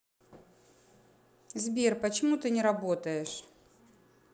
сбер почему ты не работаешь